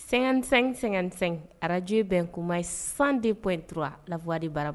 55 55, radio bɛnkuma, la voix de baramuso